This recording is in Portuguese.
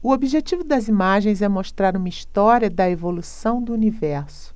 o objetivo das imagens é mostrar uma história da evolução do universo